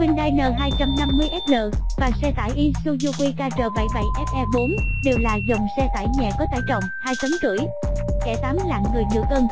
hyundai n sl và xe tải isuzu qkr fe dòng xe tải nhẹ tấn kẻ lạng người nửa cân